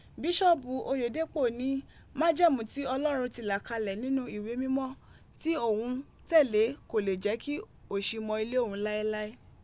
Biṣọọbu Oyedepo ni majẹmu ti Ọlọrun ti la kalẹ ninu iwe mimọ ti oun n tẹle ko le jẹ ki oṣi mọ ile oun laelae.